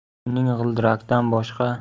uning g'ildirakdan boshqa